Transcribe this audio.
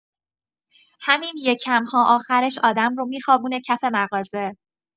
همین یکم‌ها آخرش آدم رو می‌خوابونه کف مغازه.